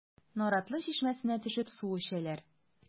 Наратлы чишмәсенә төшеп су эчәләр.